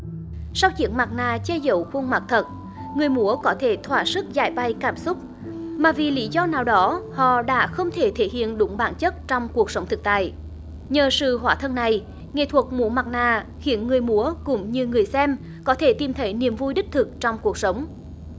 sau chiếc mặt nạ che giấu khuôn mặt thật người múa có thể thỏa sức giãi bày cảm xúc mà vì lý do nào đó họ đã không thể thể hiện đúng bản chất trong cuộc sống thực tại nhờ sự hóa thân này nghệ thuật múa mặt nạ khiến người múa cũng như người xem có thể tìm thấy niềm vui đích thực trong cuộc sống